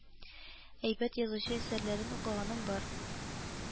Әйбәт язучы, әсәрләрен укыганым бар